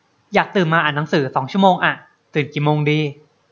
อยากตื่นมาอ่านหนังสือสองชั่วโมงอะตื่นกี่โมงดี